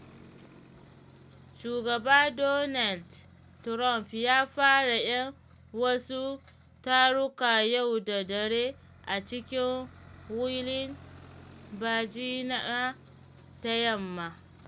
Shugaba Donald Trump ya fara ‘yan wasu taruka yau da dare a cikin Wheeling, Virginia ta Yamma.